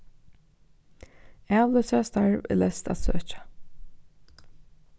avloysarastarv er leyst at søkja